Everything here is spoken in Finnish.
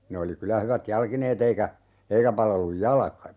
ne oli kyllä hyvät jalkineet eikä eikä palellut jalka